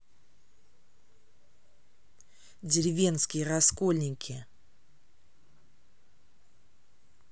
деревенские раскольники